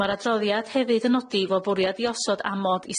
Ma'r adroddiad hefyd yn nodi i fod bwriad i osod amod i